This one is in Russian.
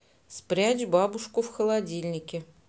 спрячь бабушку в холодильнике